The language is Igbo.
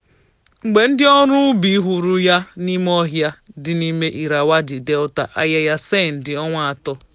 Mgbe ndịọrụ ubi hụrụ ya n'ime ọhịa dị n'ime Irrawaddy Delta, Ayeyar Sein dị ọnwa atọ.